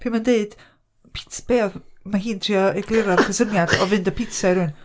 Pan mae o'n deud, pits- be' oedd, ma' hi'n trio egluro y syniad o fynd â pitsa i rywun.